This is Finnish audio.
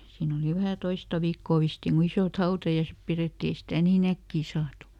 siinä oli vähän toista viikkoa vissiin kun isot hautajaiset pidettiin ei sitä niin äkkiä saatu